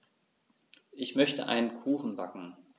Ich möchte einen Kuchen backen.